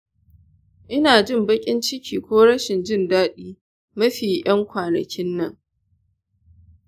ina jin baƙin ciki ko rashin jin daɗi mafi yan kwanakin nan.